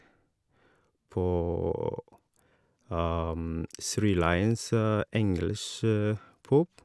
På Three Lions English Pub.